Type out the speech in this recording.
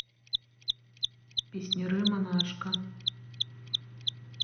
песняры монашка